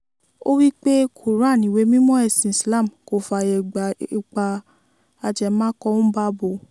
Ó wí pé, Quran, ìwé mímọ́ ẹ̀sìn Islam, kò fààyè gba ipa ajẹmákọ-ń-bábo.